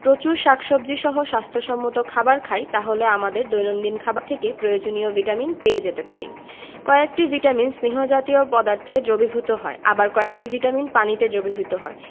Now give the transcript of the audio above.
প্রচুর শাকসবজী সহ স্বাস্থ্য সম্মত খাবার খাই তাহলে আমাদের দৈনন্দিন খাবার থেকেই প্রয়োজনীয় ভিটামিন পেয়ে যেতে পারি কয়েকটি ভিটামিন স্নেহ জাতীয় পদার্থে দ্রবীভূত হয় আবার কয়েকটি ভিটামিন পানিতে দ্রবীভূত হয়